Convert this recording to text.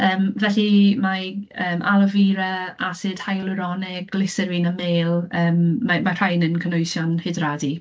Yym, felly mae, yym, aloe vera, asid hyaluronig, glyserin a mêl, yym mae ma' rhain yn cynhwysion hydradu.